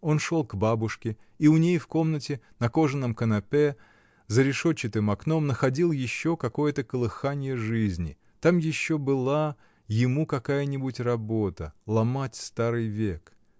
Он шел к бабушке и у ней в комнате, на кожаном канапе, за решетчатым окном, находил еще какое-то колыханье жизни, там еще была ему какая-нибудь работа, ломать старый век.